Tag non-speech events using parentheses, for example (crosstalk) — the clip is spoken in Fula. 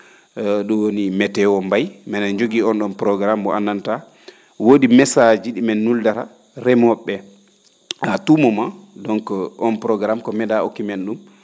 (hesitation) ?um woni météo mbay minen njogii oon ?oon programme mbo nganndantaa woodi message ji ?i men nuldara remoo?e ?ee (smacks lips) à tout moment donc (hesitation) oon programme ko medaa okki men ?um